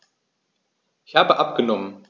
Ich habe abgenommen.